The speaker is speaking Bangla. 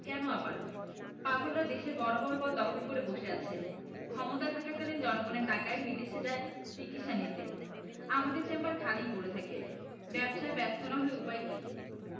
কেন আবার পাগলেরা দেশের বড় বড় পদ দখল করে বসে আছে ক্ষমতায় থাকাকালীন জনগণের টাকায় বিদেশে যায় চিকিৎসা নিতে আমাদের চেম্বার খালিই পড়ে থাকে ব্যবসায় ব্যর্থ না হয়ে উপায় কী